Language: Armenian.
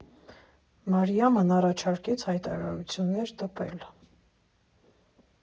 Մարիամն առաջարկեց հայտարարություններ տպել։